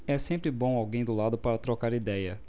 é sempre bom alguém do lado para trocar idéia